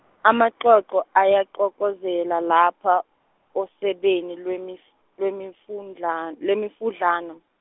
amoxoxo, ayaxokozela lapha, osebeni lwemif- lwemifundla- lwemifudlana.